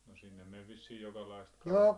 no sinne meni vissiin jokalaista kalaa